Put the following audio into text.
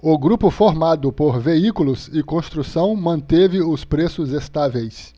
o grupo formado por veículos e construção manteve os preços estáveis